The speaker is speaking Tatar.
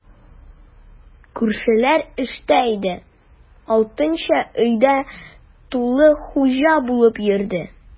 Күршеләр эштә иде, Алтынчәч өйдә тулы хуҗа булып йөрде.